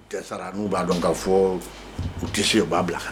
U dɛsɛra n'u b'a dɔn ka fɔ, u tɛ se, u b'a bila kan